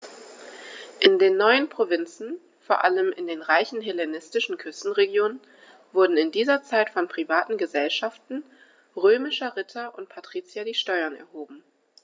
In den neuen Provinzen, vor allem in den reichen hellenistischen Küstenregionen, wurden in dieser Zeit von privaten „Gesellschaften“ römischer Ritter und Patrizier die Steuern erhoben.